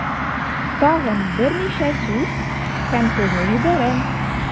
Тагын берничә сүз һәм сезне җибәрәм.